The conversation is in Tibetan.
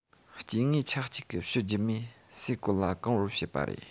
སྐྱེ དངོས ཆ གཅིག གི རྒྱུད ཕྱི མས སའི གོ ལ བཀང བར བྱེད པ རེད